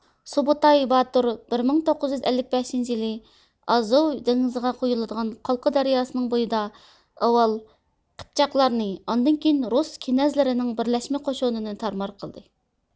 سۇبۇتاي باتۇر بىر مىڭ توققۇز يۈز ئەللىك بەشىنچى يىلى ئازۇۋ دېڭىزىغا قۇيۇلىدىغان قالقا دەرياسىنىڭ بويىدا ئاۋۋال قىپچاقلارنى ئاندىن كېيىن رۇس كېنەزلىرىنىڭ بىرلەشمە قوشۇنىنى تارمار قىلدى